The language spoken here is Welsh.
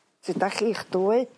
sud 'dach chi'ch dwy?